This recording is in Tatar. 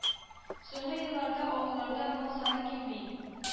Соңгы елларда авылларда мал саны кими